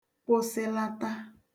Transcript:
kwụsịlata